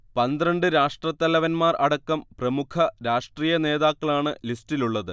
പന്ത്രണ്ട് രാഷ്ട്രത്തലവന്മാർ അടക്കം പ്രമുഖ രാഷ്ട്രീയ നേതാക്കളാണ് ലിസ്റ്റിലുള്ളത്